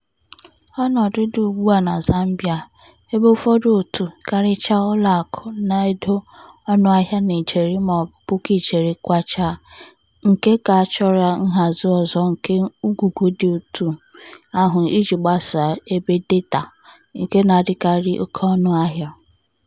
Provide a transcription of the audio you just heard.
Ọnọdụ dị ugbua na Zambia, ebe ụfọdụ òtù, karịchaa ụlọakụ na-edekọ ọnụahịa na ijeri maọbụ puku ijeri Kwacha, nke ka chọrọ nhazi ọzọ nke ngwugwu dị otú ahụ iji gbasaa ebe data, nke na-adịkarị oké ọnụahịa.